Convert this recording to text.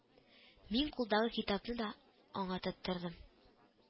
Мин кулдагы китапны аңа тоттырдым